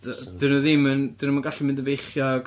D- 'dyn nhw ddim yn 'dyn nhw'm yn gallu mynd yn feichiog.